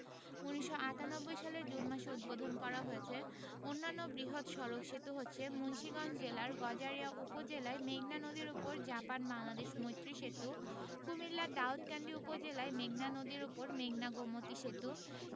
১৯৯৮ সালের জুন মাসে উদ্বোধন করা হয়েছে অন্যান্য বৃহৎ সড়ক সেতু হচ্ছে মুন্সিগঞ্জ জেলার গজারিয়া উপজেলায় মেঘনা নদীর উপর জাপান বাংলাদেশ মৈত্রী সেতু কুমিল্লার দাউদকান্দি উপজেলায় মেঘনা নদীর উপর মেঘনা গোমতী সেতু